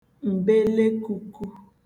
m̀belekūkū